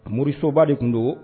Morisoba de tun don